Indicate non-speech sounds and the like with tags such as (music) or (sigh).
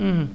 (hesitation) (hesitation)